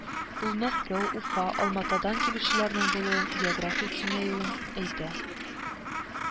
Ул Мәскәү, Уфа, Алматадан килүчеләрнең булуын, география киңәювен әйтә